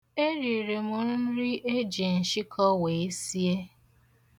Eriri m nri e ji nshịkọ wee sie.